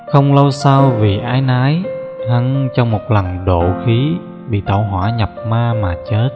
không lâu sau vì áy náy hắn trong một lần độ khí bị tẩu hỏa nhập ma mà chết